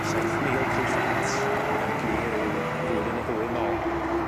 saith mil tri chant am gi ryw flwyddyn ne' ddwy yn ôl.